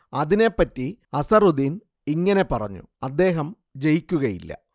അതിനെപ്പറ്റി അസ്ഹറുദ്ദീൻ ഇങ്ങനെ പറഞ്ഞു അദ്ദേഹം ജയിക്കുകയില്ല